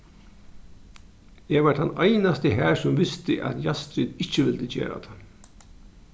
eg var tann einasti har sum visti at jastrid ikki vildi gera tað